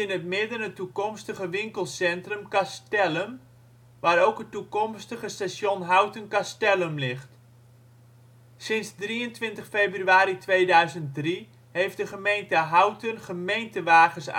het midden het toekomstige winkelcentrum Castellum, waar ook het toekomstige station Houten Castellum ligt. Sinds 23 februari 2003 heeft de Gemeente Houten gemeentewagens